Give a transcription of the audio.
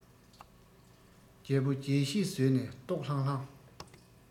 རྒྱལ པོ རྒྱལ གཞིས ཟོས ནས ལྟོགས ལྷང ལྷང